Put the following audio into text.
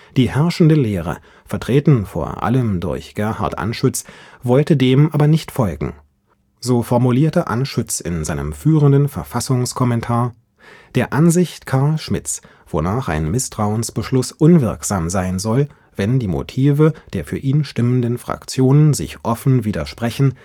Die herrschende Lehre, vertreten vor allem durch Gerhard Anschütz, wollte dem aber nicht folgen. So formulierte Anschütz in seinem führenden Verfassungskommentar: „ Der Ansicht Carl Schmitts, wonach ein Misstrauensbeschluss unwirksam sein soll, wenn die Motive der für ihn stimmenden Fraktionen ‚ sich offen widersprechen